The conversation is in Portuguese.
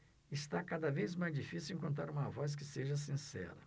está cada vez mais difícil encontrar uma voz que seja sincera